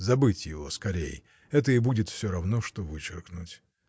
— Забыть его скорей: это и будет всё равно что вычеркнуть.